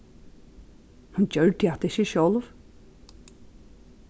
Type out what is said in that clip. hann gjørdi hatta ikki sjálv